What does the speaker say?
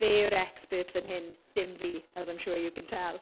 Fe yw'r expert fan hyn dim fi as I'm sure you can tell!